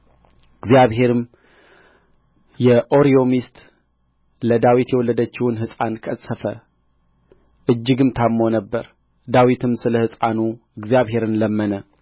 እግዚአብሔርም የኦርዮ ሚስት ለዳዊት የወለደችውን ሕፃን ቀሠፈ እጅግም ታምሞ ነበር ዳዊትም ስለ ሕፃኑ እግዚአብሔርን ለመነ